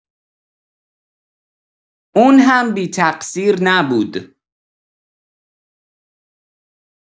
اون هم بی‌تقصیر نبود.